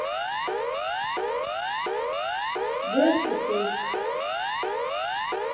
гача ток